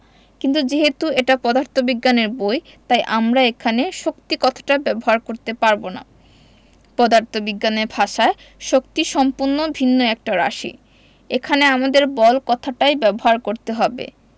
কিন্তু যেহেতু এটা পদার্থবিজ্ঞানের বই তাই আমরা এখানে শক্তি কথাটা ব্যবহার করতে পারব না পদার্থবিজ্ঞানের ভাষায় শক্তি সম্পূর্ণ ভিন্ন একটা রাশি এখানে আমাদের বল কথাটাই ব্যবহার করতে হবে